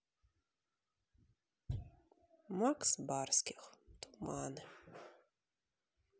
макс барских туманы